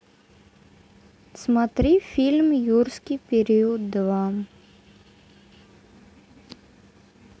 смотреть мир юрского периода два